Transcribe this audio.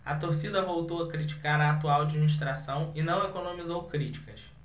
a torcida voltou a criticar a atual administração e não economizou críticas